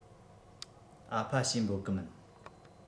ཨ ཕ ཞེས འབོད གི མིན